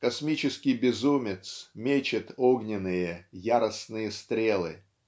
космический безумец мечет огненные яростные стрелы.